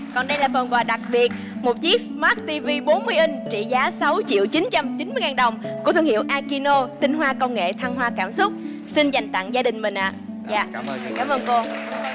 còn đây là món quà đặc biệt một chiếc sờ mát ti vi bốn inh trị giá sáu triệu chín trăm chín mươi ngàn đồng của thương hiệu a ki nô tinh hoa công nghệ thăng hoa cảm xúc xin dành tặng gia đình mình ạ dạ cám ơn cô